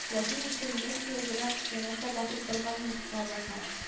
Графиня Шереметева белән янәшә басып торганмын лабаса